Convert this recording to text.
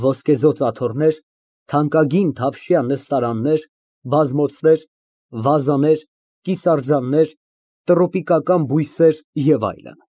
Ոսկեզօծ աթոռներ, թանկագին թավշյա նստարաններ, բազմոցներ, վազաներ, կիսարձաններ, տրոպիկական բույսեր և այլն։